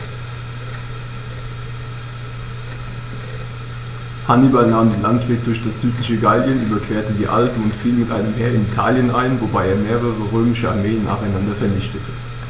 Hannibal nahm den Landweg durch das südliche Gallien, überquerte die Alpen und fiel mit einem Heer in Italien ein, wobei er mehrere römische Armeen nacheinander vernichtete.